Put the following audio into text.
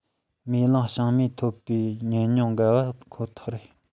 མེ གླིང བྱང མའི ཐོབ པའི ཉམས མྱོང འགའ པ ཁོ ཐག རེད